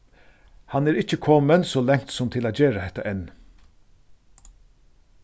hann er ikki komin so langt sum til at gera hetta enn